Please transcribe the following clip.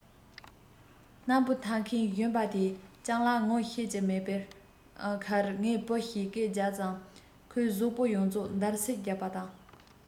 སྣམ སྤུ འཐགས མཁན གཞོན པ དེས སྤྱང ལགས ངོ ཤེས ཀྱི མེད པའི ཁར ངའི བུ ཞེས སྐད རྒྱབ ཙང ཁོའི གཟུགས པོ ཡོངས རྫོགས འདར གསིག རྒྱག པ དང